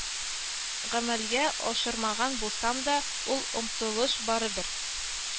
Гамәлгә ашырмаган булсам да, ул омтылыш барыбер